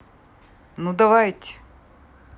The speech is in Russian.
ну давайте